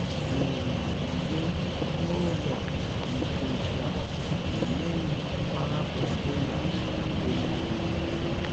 N’ihi nyiwe na ụlọ nke otu a, na enweghị mgbagha kwesịrị ịnọ na Premier League,” o kwuru.